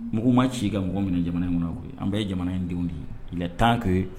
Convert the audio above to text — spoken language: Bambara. Mugu ma ci ka mɔgɔ minɛ jamana in kɔnɔ yan koyi. Anw bɛɛ ye jamana in denw de ye . il est temps que